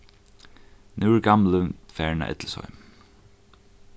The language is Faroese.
nú er gamli farin á ellisheim